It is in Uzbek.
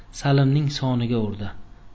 salimning soniga urdi